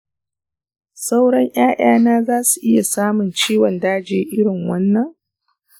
sauran ƴaƴana zasu iya samun ciwon daji irin wannan?